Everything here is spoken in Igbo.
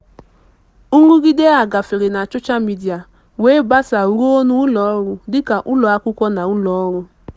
Nrụgide a gafere na soshal midịa, wee gbasaa ruo n'ụlọọrụ dịka ụlọakwụkwọ na ụlọọrụ.